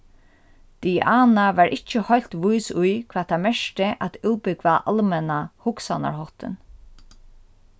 diana var ikki heilt vís í hvat tað merkti at útbúgva almenna hugsanarháttin